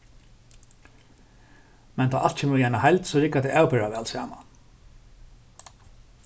men tá alt kemur í eina heild so riggar tað avbera væl saman